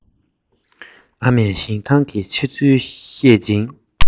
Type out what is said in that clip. ཨ མས ཞིང ཐང གི ཆེ ཚུལ བཤད ཅིང